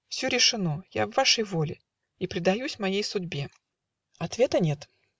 Все решено: я в вашей воле И предаюсь моей судьбе. Ответа нет.